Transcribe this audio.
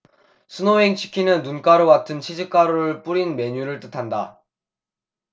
스노윙 치킨은 눈가루 같은 치즈 가루를 뿌린 메뉴를 뜻한다